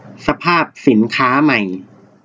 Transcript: สภาพสินค้าสินค้าใหม่